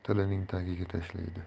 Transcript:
solib tilining tagiga tashlaydi